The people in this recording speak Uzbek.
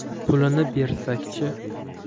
pulini bersak chi